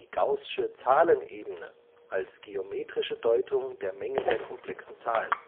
gaußsche Zahlenebene als geometrische Deutung der Menge der komplexen Zahlen